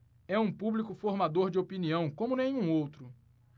é um público formador de opinião como nenhum outro